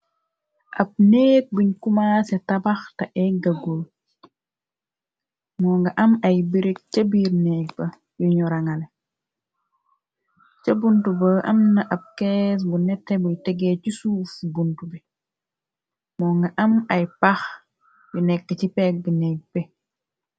Ab neek buñ kuma se tabax te egga gull. Moo nga am ay bereb ca biir néeg ba yuñu rangale, ca buntu ba am na ab kees bu nette buy tegee ci suuf buntu bi. Moo nga am ay pax yu nekk ci peggi neek bii.